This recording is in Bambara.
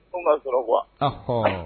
An'a sɔrɔ kuwa